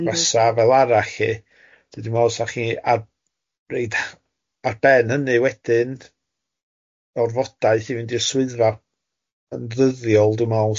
...na fasa fel arall i, dwi'n meddwl os allan ni ar- roid ar ben hynny wedyn, orfodaeth i fynd i'r swyddfa yn ddyddiol, dwi'n meddwl,